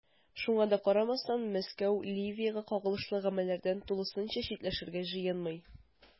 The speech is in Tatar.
Шуңа да карамастан, Мәскәү Ливиягә кагылышлы гамәлләрдән тулысынча читләшергә җыенмый.